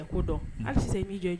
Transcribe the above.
Ko dɔn se'i jɔ